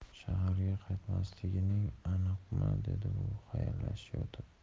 shaharga qaytmasligingiz aniqmi dedi u xayrlashayotib